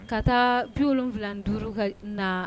Ka taa biwfila duuru ka na